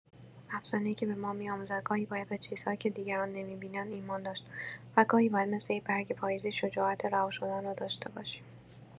افسانه‌ای که به ما می‌آموزد گاهی باید به چیزهایی که دیگران نمی‌بینند، ایمان داشت و گاهی باید مثل یک برگ پاییزی، شجاعت رها شدن را داشته باشیم.